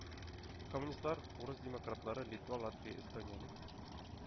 Коммунистлар, урыс демократлары Литва, Латвия, Эстониянең